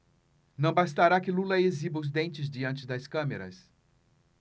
não bastará que lula exiba os dentes diante das câmeras